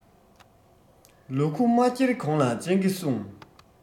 ལུ གུ མ འཁྱེར གོང ལ སྤྱང ཀི སྲུངས